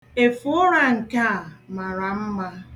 Efe ụra nke a mara mma.